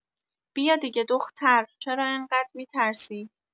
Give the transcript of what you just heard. بیا دیگه دختر چرا انقد می‌ترسی؟